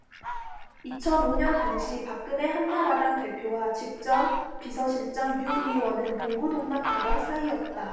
이천 오 년 당시 박근혜 한나라당 대표와 직전 비서실장 유 의원은 동고동락하던 사이었다